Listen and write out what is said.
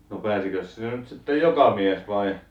no pääsikös sinne nyt sitten joka mies vai